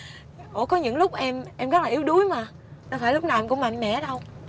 ủa có những lúc em em rất là yếu đuối mà đâu phải lúc nào em cũng mạnh mẽ đâu